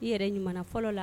I yɛrɛ ɲuman na fɔlɔ la